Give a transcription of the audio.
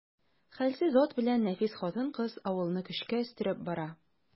Хәлсез ат белән нәфис хатын-кыз авылны көчкә өстерәп бара.